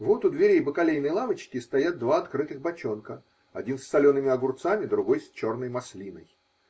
Вот, у дверей бакалейной лавочки, стоят два открытых бочонка: один с солеными огурцами, другой с черной маслиной.